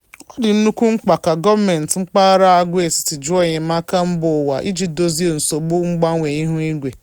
Ọ dị nnukwu mkpa ka gọọmentị mpaghara agwaetiti jụọ enyemaaka mbaụwa iji dozie nsogbu mgbanwe ihuigwe.